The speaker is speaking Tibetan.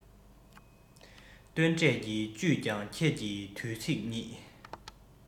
སྟོན འབྲས ཀྱི བཅུད ཀྱང ཁྱེད ཀྱི དུས ཚིགས ཉིད